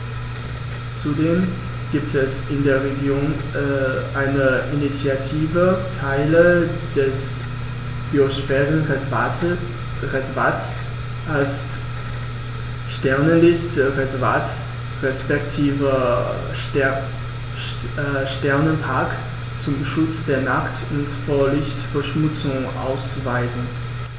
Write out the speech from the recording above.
Zudem gibt es in der Region eine Initiative, Teile des Biosphärenreservats als Sternenlicht-Reservat respektive Sternenpark zum Schutz der Nacht und vor Lichtverschmutzung auszuweisen.